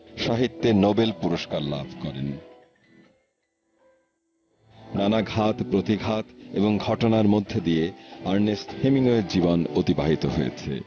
সাহিত্যে নোবেল পুরস্কার লাভ করেন নানা ঘাত-প্রতিঘাত এবং ঘটনার মধ্যে দিয়ে আর্নেস্ট হেমিংওয়ে জীবন অতিবাহিত হয়েছে